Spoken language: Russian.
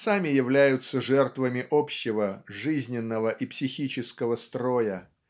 сами являются жертвами общего жизненного и психического строя.